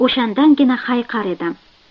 o'shandangina hayiqar edim